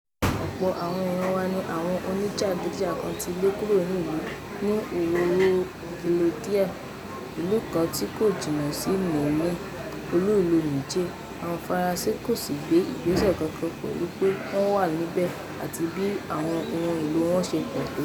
Ọ̀pọ̀ àwọn eèyan wa ni àwọn oníjàgíjàgan ti lè kúrò ní ìlú, ní Ouro Guéladio, ìlú kan tí kò jìnnà sí Niamey, olú ìlú Niger, àwọn faransé kò sì gbé ìgbẹ́sẹ̀ kankan pẹlú pé wọ́n wà níbẹ̀ àti bí àwọn ohun èlò wọn ṣe pọ̀ tó.